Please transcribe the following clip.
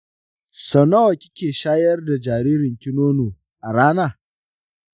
sau nawa kike shayar da jaririnki nono a rana?